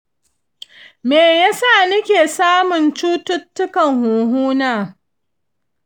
me yasa nike samu cututtukan hunhuna?